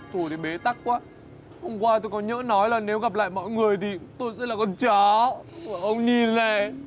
tôi đến bế tắc quá hôm qua tôi có nhỡ nói là nếu gặp lại mọi người thì tôi sẽ là con chó bọn ông nhìn này